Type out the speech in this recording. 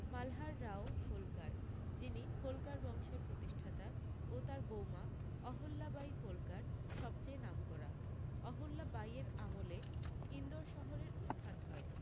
মালহার রাও হোলকার যিনি হোলকার বংশের প্রতিষ্ঠাতা ও তার বউমা অহল্যা বাই হোলকার সবচেয়ে নামকরা অহল্যা বাই এর আমলে ইন্দোর শহরের উত্থান হয়